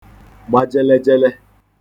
gba jelejele